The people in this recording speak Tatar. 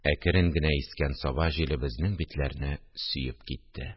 Әкрен генә искән саба җиле безнең битләрне сөеп китте